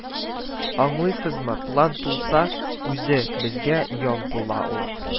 Аңлыйсызмы, план тулса, үзе безгә ял була ул